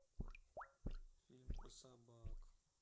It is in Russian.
фильм про собак